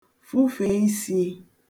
fufè isī